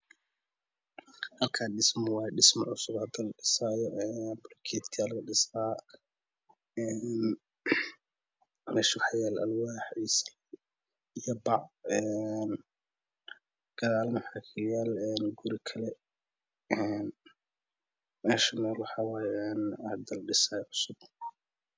Halkaan dhismo waaye. Shismo cusub la dhisaayo. Bulukeeti laga dhisaa. Meesha waxaa yaalo alwaax iyo nac. gadaalna waxaa ka yaalo guri kale meeshane waxaa waaye hadda la dhisaa cusub.